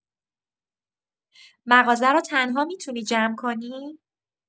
مغازه رو تنها می‌تونی جمع کنی؟